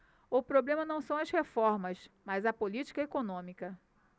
o problema não são as reformas mas a política econômica